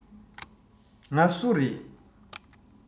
ང སུ རེད